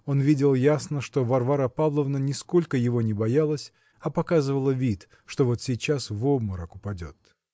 он видел ясно, что Варвара Павловна нисколько его не боялась, а показывала вид, что вот сейчас в обморок упадет.